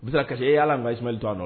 Bi bɛ kasi e y alahi don la